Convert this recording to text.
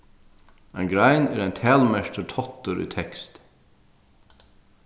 ein grein er ein talmerktur táttur í teksti